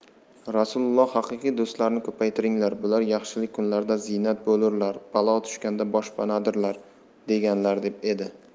rasulilloh haqiqiy do'stlarni ko'paytiringlar bular yaxshilik kunlarda ziynat bo'lurlar balo tushganda boshpanadirlar deganlar deb edi